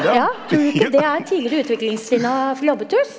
ja tror du ikke det er tidligere utviklingstrinn av Labbetuss?